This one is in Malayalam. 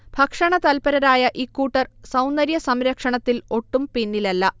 ഭക്ഷണ തല്പരരായ ഇക്കൂട്ടർ സൗന്ദര്യ സംരക്ഷണത്തിൽ ഒട്ടും പിന്നിലല്ല